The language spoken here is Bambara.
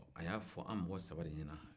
a y'a fɔ an mɔgɔ saba de ɲɛna